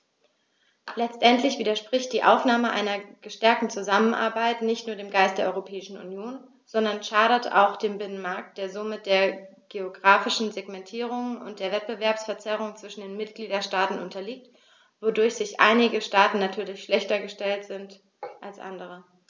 Letztendlich widerspricht die Aufnahme einer verstärkten Zusammenarbeit nicht nur dem Geist der Europäischen Union, sondern schadet auch dem Binnenmarkt, der somit der geographischen Segmentierung und der Wettbewerbsverzerrung zwischen den Mitgliedstaaten unterliegt, wodurch einige Staaten natürlich schlechter gestellt sind als andere.